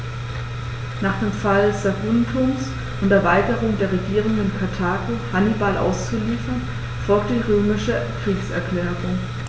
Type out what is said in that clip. Nach dem Fall Saguntums und der Weigerung der Regierung in Karthago, Hannibal auszuliefern, folgte die römische Kriegserklärung.